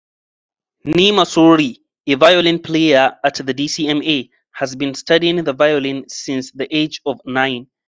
Neema Surri, a violin player at the DCMA, has been studying the violin since the age of 9.